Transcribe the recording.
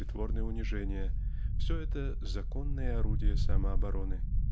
притворное унижение -- все это законные орудия самообороны.